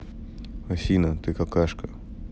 афина ты какашка